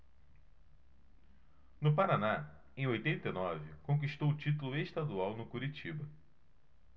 no paraná em oitenta e nove conquistou o título estadual no curitiba